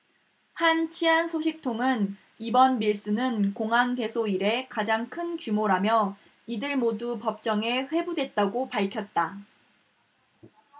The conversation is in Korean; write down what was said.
한 치안 소식통은 이번 밀수는 공항 개소 이래 가장 큰 규모라며 이들 모두 법정에 회부됐다고 밝혔다